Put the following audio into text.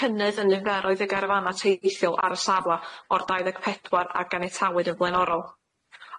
cynnydd yn niferoedd y garafana teithiol ar y safla o'r dau ddeg pedwar ag anetawyd yn flaenorol.